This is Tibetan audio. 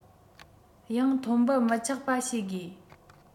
ཡང ཐོན འབབ མི ཆག པ བྱེད དགོས